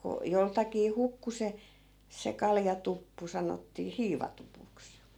kun joltakin hukkui se se kaljatuppu sanottiin hiivatupuksi